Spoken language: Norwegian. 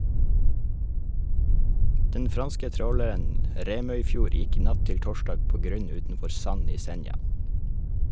Den franske tråleren «Remøyfjord» gikk natt til torsdag på grunn utenfor Sand i Senja.